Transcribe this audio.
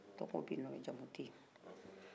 tɔgɔ bɛye jamu tɛye